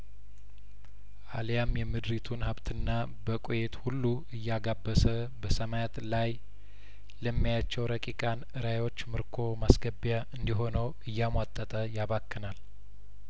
አሊያም የምድሪቱን ሀብትና በቁኤት ሁሉ እያጋበሰ በሰማያት ላይ ለሚያያቸው ረቂቃን ራእዮቹምርኮ ማስገቢያእንዲ ሆነው እያሟጠጠ ያባክናል